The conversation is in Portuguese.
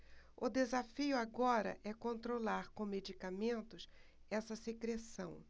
o desafio agora é controlar com medicamentos essa secreção